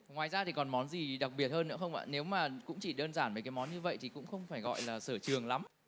ngoài ra thì còn món gì đặc biệt hơn nữa không ạ nếu mà cũng chỉ đơn giản mấy cái món như vậy thì cũng không phải gọi là sở trường lắm